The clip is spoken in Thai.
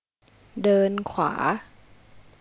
เดินขวา